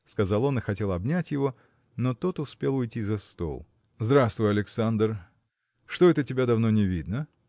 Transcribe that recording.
– сказал он и хотел обнять его, но тот успел уйти за стол. – Здравствуй, Александр! Что это тебя давно не видно?